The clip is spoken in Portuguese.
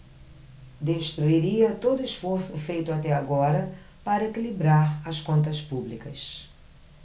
destruiria todo esforço feito até agora para equilibrar as contas públicas